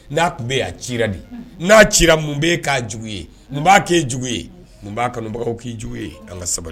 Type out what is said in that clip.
N'a tun bɛ a ci di n'a ci mun bɛ ye k'a ye mun b'a kɛe jugu ye b'a kanubagaw k'i juguya ye an ka sabali